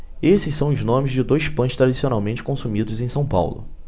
esses são os nomes de dois pães tradicionalmente consumidos em são paulo